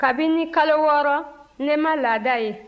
kabini kalo wɔɔrɔ ne ma laada ye